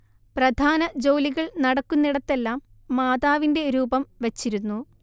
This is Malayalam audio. പ്രധാന ജോലികൾ നടക്കുന്നിടത്തെല്ലാം മാതാവിന്റെ രൂപം വച്ചിരുന്നു